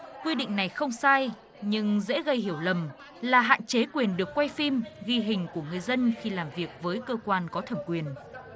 quy định này không sai nhưng dễ gây hiểu lầm là hạn chế quyền được quay phim ghi hình của người dân khi làm việc với cơ quan có thẩm quyền